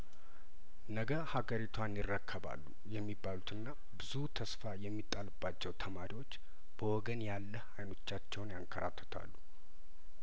ነገ ሀገሪቷን ይረከባሉ የሚባሉትና ብዙ ተስፋ የሚጣልባቸው ተማሪዎች በወገን ያለህ አይኖቻቸውን ያንከራተታሉ